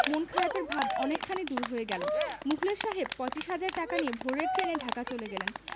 মন খারাপের ভাব অনেকখানি দূর হয়ে গেল মুখলেস সাহেব পয়ত্রিশ হাজার টাকা নিয়ে ভোরের ট্রেনে ঢাকা চলে গেলেন